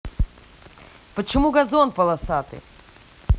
почему газон полосатый